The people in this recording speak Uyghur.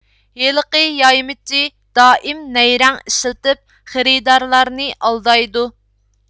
ھېلىقى يايمىچى دائىم نەيرەڭ ئىشلىتىپ خېرىدارلارنى ئالدايدۇ